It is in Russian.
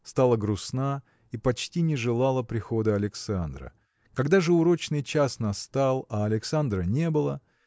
стала грустна и почти не желала прихода Александра. Когда же урочный час настал а Александра не было